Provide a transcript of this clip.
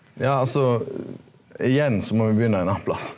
ja altso igjen so må me begynne ein annan plass.